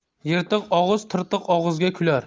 yirtiq og'iz tirtiq og'izga kular